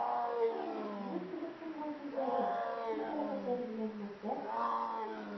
Нең кызыксынган күзләре, тиз хәрәкәтләре белән мәктәп